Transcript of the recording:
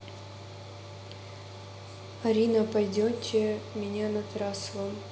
арина пойдете меня на трассовом